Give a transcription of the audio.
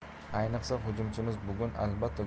ayniqsa hujumimiz bugun albatta